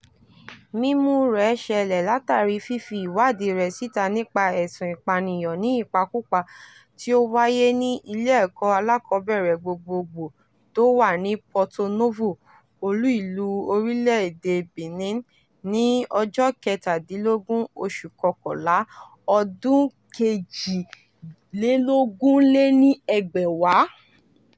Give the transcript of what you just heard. Mímú rẹ̀ ṣẹlẹ̀ látàrí fífi ìwádìí rẹ̀ síta nípa ẹ̀sùn ìpànìyàn ní ìpakúpa tí ó wáyé ní ilé ẹ̀kọ́ alákọ̀ọ́bẹ̀rẹ̀ gbogbogbò Dowa ní Porto-Novo (olú ìlú orílẹ̀ èdè Benin) ní ọjọ́ 17 oṣù Kọkànlá, ọdún 2022.